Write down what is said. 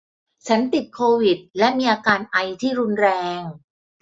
ฉันติดโควิดและมีอาการไอที่รุนแรง